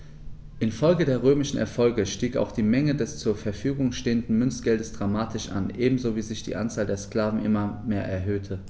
Infolge der römischen Erfolge stieg auch die Menge des zur Verfügung stehenden Münzgeldes dramatisch an, ebenso wie sich die Anzahl der Sklaven immer mehr erhöhte.